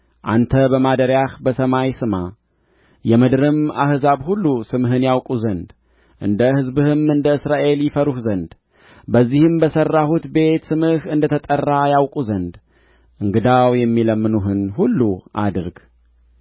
አንተ በማደሪያህ በሰማይ ስማ የምድርም አሕዛብ ሁሉ ስምህን ያውቁ ዘንድ እንደ ሕዝብህም እንደ እስራኤል ይፈሩህ ዘንድ በዚህም በሠራሁት ቤት ስምህ እንደተጠራ ያውቁ ዘንድ እንግዳው የሚለምንህን ሁሉ አድርግ